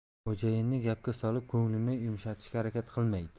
xo'jayinni gapga solib ko'nglini yumshatishga harakat qilmaydi